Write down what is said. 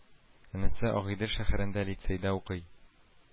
Энесе Агыйдел шәһәрендә лицейда укый